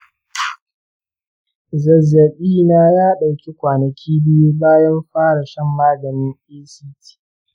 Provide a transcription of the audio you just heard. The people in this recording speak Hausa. zazzabina ya ɗauke kwanaki biyu bayan fara shan maganin act.